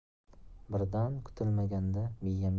birdan kutilmaganda miyamga